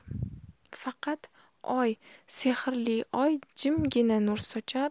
faqat oy sehrli oy jimgina nur sochar